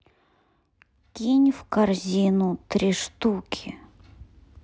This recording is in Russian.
кинь в корзину три штуки